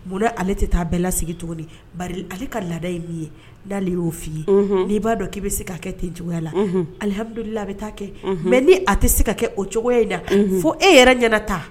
Bɔnɛ ale tɛ taa bɛɛlasigi tuguni ale ka laadada ye min ye dali y'o fɔ'i ye n'i b'a dɔn k'i bɛ se ka kɛ ten cogoya la alihamdulilala a bɛ' kɛ mɛ ni a tɛ se ka kɛ o cogo in na fo e yɛrɛ ɲɛna ta